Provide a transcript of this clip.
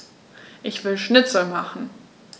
Ich will Schnitzel machen.